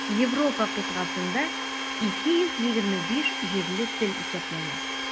Европа кыйтгасында 225 җирле тел исәпләнә.